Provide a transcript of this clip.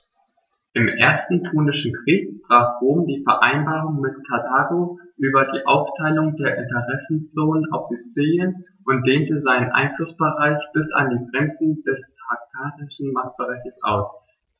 Im Ersten Punischen Krieg brach Rom die Vereinbarung mit Karthago über die Aufteilung der Interessenzonen auf Sizilien und dehnte seinen Einflussbereich bis an die Grenze des karthagischen Machtbereichs aus.